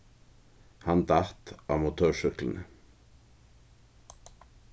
hann datt á motorsúkkluni